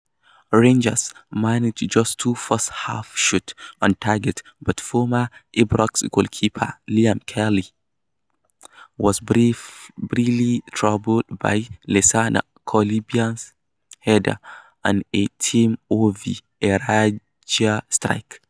Rangers managed just two first-half shots on target but former Ibrox goalkeeper Liam Kelly was barely troubled by Lassana Coulibaly's header and a tame Ovie Ejaria strike.